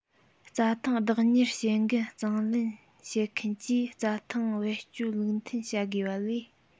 རྩྭ ཐང བདག གཉེར བྱེད འགན གཙང ལེན བྱེད མཁན གྱིས རྩྭ ཐང བེད སྤྱོད ལུགས མཐུན བྱ དགོས པ ལས